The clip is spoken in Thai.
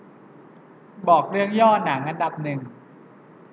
บอกเรื่องย่อหนังอันดับหนึ่ง